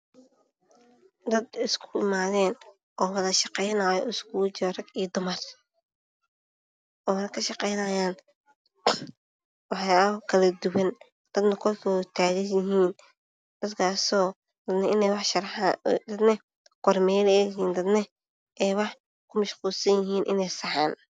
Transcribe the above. Waa dad isku imaaday oo wada shaqeynayo oo iskugu jiro rag iyo dumar dadna korkooda taagan yihiin oo wax sharxaayo dadna waa kormeere dadna wax ayay saxaayaan.